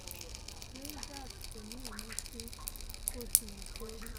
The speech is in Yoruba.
Rangers kòní ìmísí, bótiwùkórí.